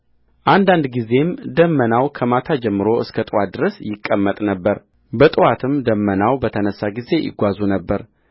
አንዳንድ ጊዜም ደመናው ከማታ ጀምሮ እስከ ጥዋት ድረስ ይቀመጥ ነበር በጥዋትም ደመናው በተነሣ ጊዜ ይጓዙ ነበር